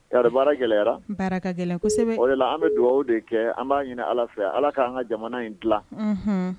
Yarɔ! Baara gɛlɛyara. Baara ka gɛlɛn kosɛbɛ. O de la an bɛ duwawu de kɛ, an b'a ɲini Ala fɛ, Ala ka an ka jamana in dilan. Unhun!